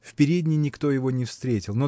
В передней никто его не встретил